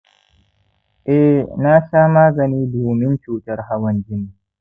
eh, na sha magani domin cutar hawan jini